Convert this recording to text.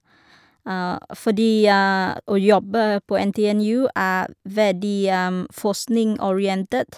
og Fordi å jobbe på NTNU er veldig forskningsorientert.